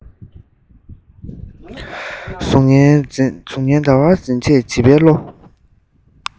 གཟུགས བརྙན ཟླ བར འཛིན པ བྱིས པའི བློ